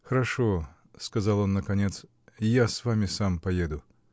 "Хорошо, -- сказал он наконец, -- я с вами сам поеду".